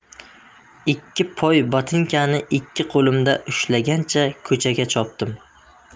ikki poy botinkani ikki qo'limda ushlagancha ko'chaga chopdim